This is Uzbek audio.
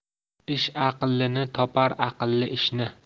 ish aqllini topar aqlli ishni